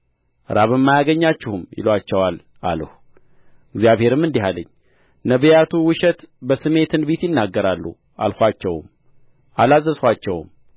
ራብም አያገኛችሁም ይሉአቸዋል አልሁ እግዚአብሔርም እንዲህ አለኝ ነቢያቱ ውሸት በስሜ ትንቢት ይናገራሉ አላክኋቸውም አላዘዝኋቸውም